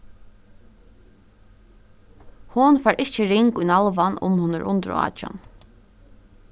hon fær ikki ring í nalvan um hon er undir átjan